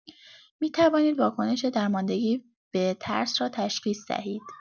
می‌توانید واکنش درماندگی به ترس را تشخیص دهید.